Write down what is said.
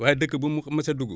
waaye dëkk bu mu mos a dugg